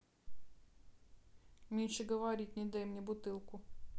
меньше говорить не дай мне бутылку